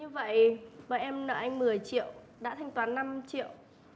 như vậy bọn em nợ anh mười triệu đã thanh toán năm triệu